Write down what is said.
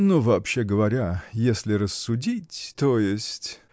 ) Но вообще говоря, если рассудить, то есть.